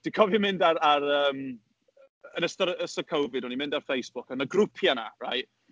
Dwi'n cofio fynd ar ar yym yn ystod ystod Covid o'n i'n mynd ar Facebook a oedd 'na grwpiau yna, right?